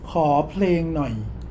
ขอเพลงหน่อย